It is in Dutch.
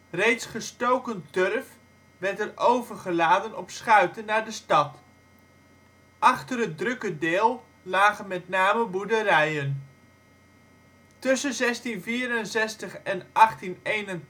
Reeds gestoken turf werd er overgeladen op schuiten naar de stad. Achter het ' drukke deel ' lagen met name boerderijen. Tussen 1664 en 1881